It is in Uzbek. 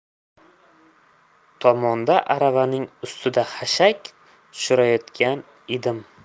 tomonda aravaning ustidan xashak tushirayotgan edim